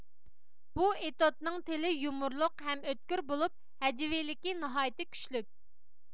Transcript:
بۇ ئېتوتنىڭ تىلى يۇمۇرلۇق ھەم ئۆتكۈر بولۇپ ھەجۋىيلىكى ناھايىتى كۈچلۈك